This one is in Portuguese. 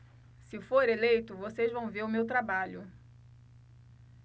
se for eleito vocês vão ver o meu trabalho